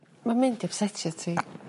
Ma'n mynd i ypsetio ti.